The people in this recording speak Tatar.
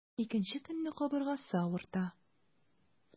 Икенче көнне кабыргасы авырта.